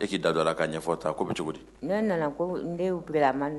Cogo nana